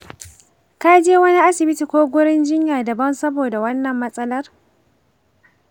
ka je wani asibiti ko gurin jinya daban saboda wannan matsalar?